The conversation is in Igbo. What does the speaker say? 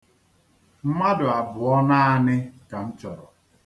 Ọ bụ naanị gị ka m chọrọ ịhụ taa.